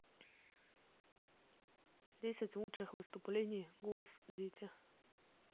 десять лучших выступлений голос дети